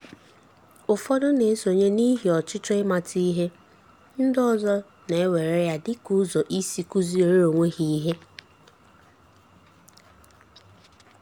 Ụfọdụ na-esonye n'ihi ọchịchọ ịmata ihe; ndị ọzọ na-ewere ya dị ka ụzọ isi kuziere onwe ha ihe.